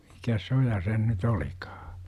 mikäs se on ja se nyt olikaan